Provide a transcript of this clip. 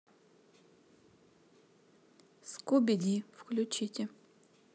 скуби ди включите